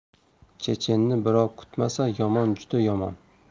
chechenni birov kutmasa yomon juda yomon